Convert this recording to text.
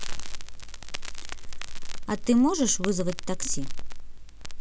а ты можешь вызвать такси